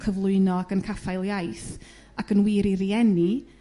cyflwyno ag yn caffael iaith ac yn wir i rieni